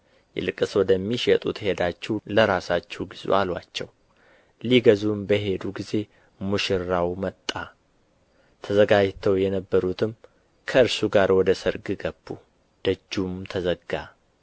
ይልቅስ ወደሚሸጡት ሄዳችሁ ለራሳችሁ ግዙ አሉአቸው ሊገዙም በሄዱ ጊዜ ሙሽራው መጣ ተዘጋጅተው የነበሩትም ከእርሱ ጋር ወደ ሰርግ ገቡ ደጁም ተዘጋ